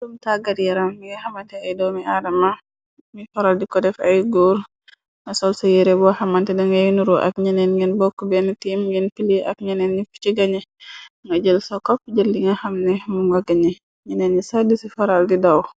Walum taggat yaram nga xamante ay doomi aarama mi faral di ko def ay góor na sol sa yere bo xamante dangay nuru ak ñaneen ngeen bokk benn tiim ngeen pili ak ñaneen ñiu ci gañe nga jël sa kopp jëlli nga xamne mu nga gañe ñeneen ñi sàddi ci faral di daw.